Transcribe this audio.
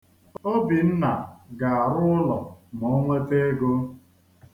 Obinna ga-arụ ụlọ ma o nweta ego.